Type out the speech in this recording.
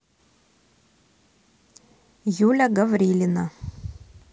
юля гаврилина